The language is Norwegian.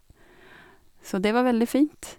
Så det var veldig fint.